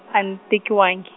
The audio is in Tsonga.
an- tekiwangi.